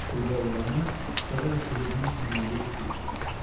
— прибавила она, стараясь улыбнуться на его шутку.